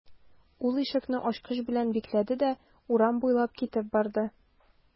Ул ишекне ачкыч белән бикләде дә урам буйлап китеп барды.